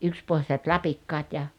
yksipohjaiset lapikkaat ja